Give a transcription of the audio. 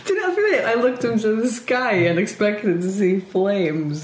Dyna wnaeth hi ddeud "I looked up into the sky and expected to see flames".